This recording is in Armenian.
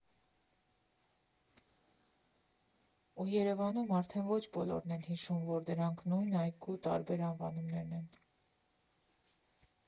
Ու Երևանում արդեն ոչ բոլորն են հիշում, որ դրանք նույն այգու տարբեր անվանումներն են։